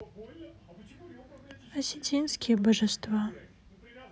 осетинские божества